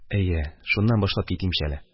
Әйе, шуннан башлап китимче әле.